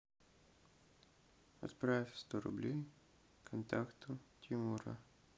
отправь сто рублей контакту тимура